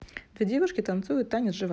две девушки танцуют танец живота